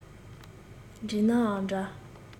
འགྲིག ནའང འདྲ